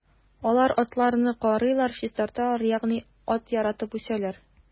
Алар атларны карыйлар, чистарталар, ягъни ат яратып үсәләр.